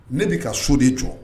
Ne bɛ ka so de jɔ